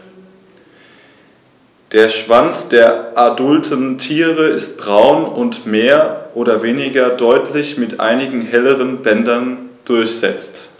Der Schwanz der adulten Tiere ist braun und mehr oder weniger deutlich mit einigen helleren Bändern durchsetzt.